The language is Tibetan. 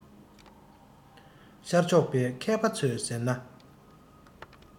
ཤར ཕྱོགས པའི མཁས པ ཚོས ཟེར ན